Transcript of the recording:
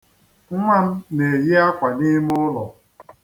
Nnwa m na-eyi akwa n'ime ụlọ.